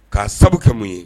K'a sabu kɛ mun ye